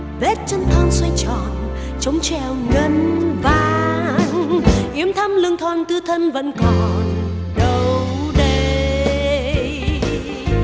vết chân thon xoay tròn trống treo ngân vang yếm thắm lưng thon tứ thân vẫn còn đâu đây